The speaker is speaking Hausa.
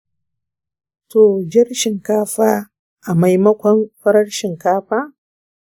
to jar shinkafa fa a maimakon farar shinkafa?